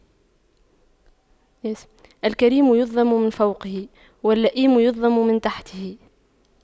الكريم يظلم من فوقه واللئيم يظلم من تحته